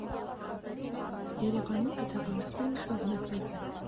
Երևանում այդ ավանդույթները շարունակվելու են։